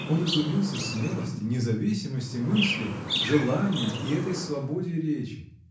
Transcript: Он изумился смелости, независимости мысли, желания и этой свободе речи.